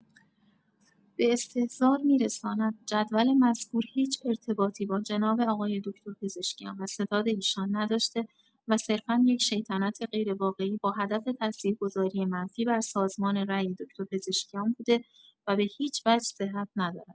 به استحضار می‌رساند، جدول مذکور هیچ ارتباطی با جناب آقای دکتر پزشکیان و ستاد ایشان نداشته و صرفا یک شیطنت غیرواقعی با هدف تاثیرگذاری منفی بر سازمان رای دکتر پزشکیان بوده و به‌هیچ‌وجه صحت ندارد.